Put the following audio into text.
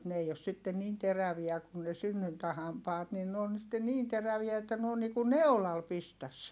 mutta ne ei ole sitten niin teräviä kun ne synnyntähampaat niin ne on sitten niin teräviä että ne on niin kuin neulalla pistäisi